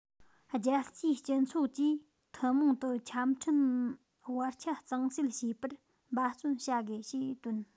རྒྱལ སྤྱིའི སྤྱི ཚོགས ཀྱིས ཐུན མོང དུ ཆ འཕྲིན བར ཁྱད གཙང སེལ བྱེད པར འབད བརྩོན བྱ དགོས ཞེས བཏོན